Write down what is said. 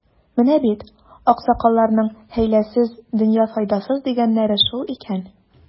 Менә бит, аксакалларның, хәйләсез — дөнья файдасыз, дигәннәре шул икән.